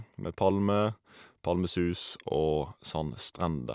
Med palmer, palmesus og sandstrender.